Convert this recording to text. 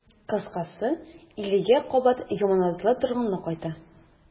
Кыскасы, илгә кабат яманатлы торгынлык кайта.